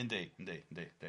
Yndi, yndi, yndi, yndi.